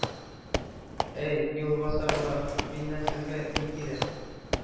— әй, юлбасарлар, миннән сезгә ни кирәк?